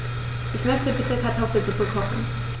Ich möchte bitte Kartoffelsuppe kochen.